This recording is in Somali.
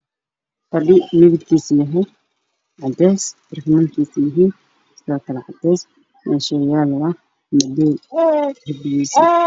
Waa fadhi midabkiisa yahay cadees